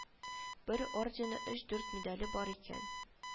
Бер ордены өч-дүрт медале бар икән